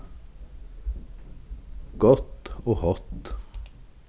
gott og hátt